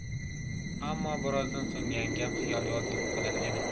ammo birozdan so'ng yangam xiyol yozilib qolar edi